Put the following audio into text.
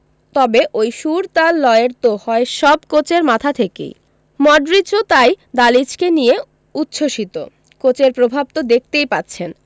তবে ওই সুর তাল লয়ের তো হয় সব কোচের মাথা থেকেই মডরিচও তাই দালিচকে নিয়ে উচ্ছ্বসিত কোচের প্র্রভাব তো দেখতেই পাচ্ছেন